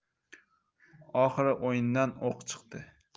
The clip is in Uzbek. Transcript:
oxiri o'yindan o'q chiqdi